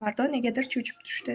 alimardon negadir cho'chib tushdi